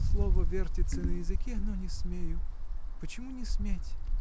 слово вертится на языке, — но не смею. Почему не сметь?